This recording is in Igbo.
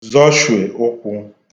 zọ̀shwè ụkwụ